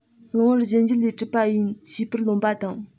གློ བུར གཞན འགྱུར ལས གྲུབ པ ཡིན ཞེས པར རློམ པ དང